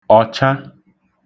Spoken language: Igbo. ọ̀cha